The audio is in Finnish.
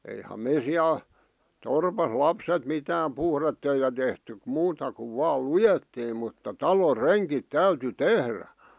eihän me siellä torpassa lapset mitään puhdetöitä tehty - muuta kuin vain luettiin mutta talon rengit täytyi tehdä